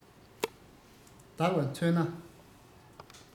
བདག ལ མཚོན ན